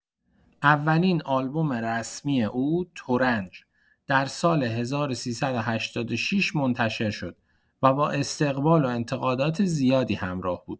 اولین آلبوم رسمی او، "ترنج"، در سال ۱۳۸۶ منتشر شد و با استقبال و انتقادات زیادی همراه بود.